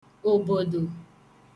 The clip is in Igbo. òbòdò